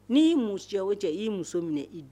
N'i y'i mun cɛ o cɛ i'i muso minɛ i di